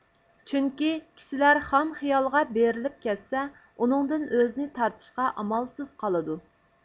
چۈنكى كىشىلەر خام خىيالغا بېرىلىپ كەتسە ئۇنىڭدىن ئۆزىنى تارتىشقا ئامالسىز قالىدۇ